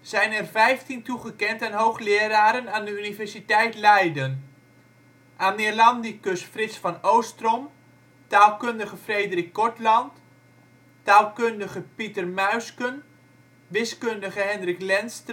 zijn er vijftien toegekend aan hoogleraren aan de Universiteit Leiden: aan neerlandicus Frits van Oostrom, taalkundige Frederik Kortlandt, taalkundige Pieter Muysken, wiskundige Hendrik Lenstra